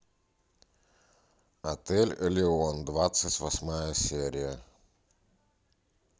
отель элеон двадцать восьмая серия